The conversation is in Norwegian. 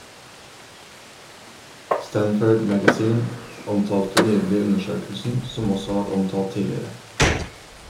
Stanford magazine omtalte nylig undersøkelsen, som også har vært omtalt tidligere.